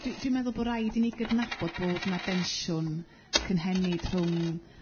Dwi dwi meddwl bo' raid i ni gydnabod bod 'na densiwn cynhenid rhwng